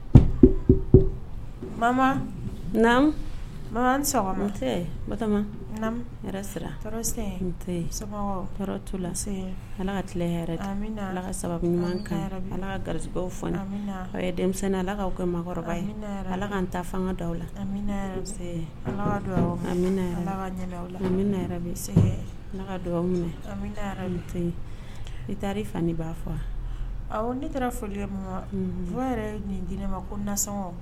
Ala gari ala kɛkɔrɔba ala ka ta fanga da la i bɛ taa fa b'a fɔ ne taara foli yɛrɛ nin di ne ma ko nasɔn